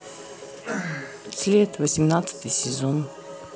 след восемнадцатый сезон